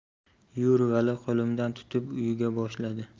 yur vali qo'limdan tutib uyiga boshladi